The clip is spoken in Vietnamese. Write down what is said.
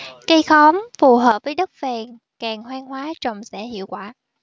cây khóm phù hợp với đất phèn càng hoang hóa trồng sẽ hiệu quả